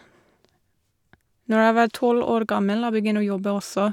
Når jeg var tolv år gammel, jeg begynner å jobbe også.